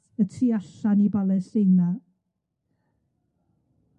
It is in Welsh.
y tu allan i Balesteina.